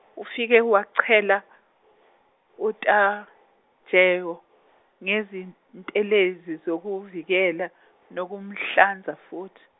ufike wachela uTajewo ngezintelezi zokuvikela nokumhlanza futhi.